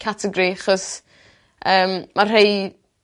categri 'chos yym ma' rhei